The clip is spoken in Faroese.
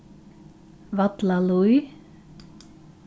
vallalíð